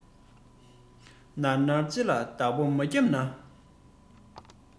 ནར ནར ལྕེ ལ བདག པོ མ རྒྱབ ན